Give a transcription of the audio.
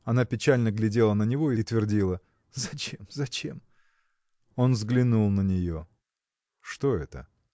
– Она печально глядела на него и твердила: – зачем, зачем! Он взглянул на нее. Что это?